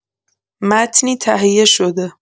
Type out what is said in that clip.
متنی تهیه‌شده